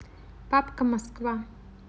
папка москва